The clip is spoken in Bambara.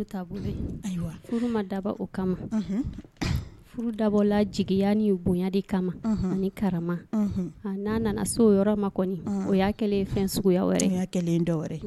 Ma daba o kama furu dabɔla jigiya ni bonyadi kama ni karama n'a nana so yɔrɔ ma kɔni o y' kɛlen ye suguya dɔw